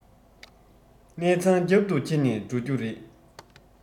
གནས ཚང རྒྱབ ཏུ ཁྱེར ནས འགྲོ རྒྱུ རེད